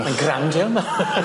Mae'n grand 'di o 'my .